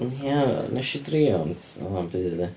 Ia, wnes i drio, ond oedd 'na'm byd ia.